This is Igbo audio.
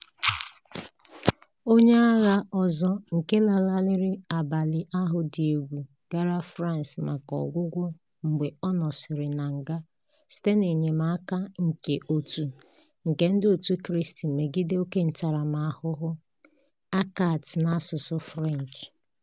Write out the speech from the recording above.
Onye agha ọzọ nke lanarịrị abalị ahụ dị egwu gara France maka ọgwụgwọ mgbe ọ nọsịrị na nga site n'enyemaka nke òtù nke Ndị Òtù Kristi Megide Óké Ntaramahụhụ (ACAT n'asụsụ Fụrenchị).